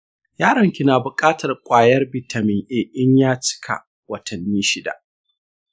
yaronki na bukatar kwayar vitamin a in ya cika watanni shida.